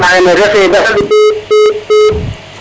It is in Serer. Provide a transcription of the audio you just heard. refe dara ludul